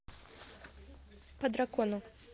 по дракону